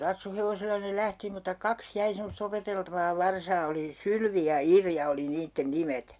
ratsuhevosella ne lähti mutta kaksi jäi semmoista opeteltavaa varsaa oli Sylvi ja Irja oli niiden nimet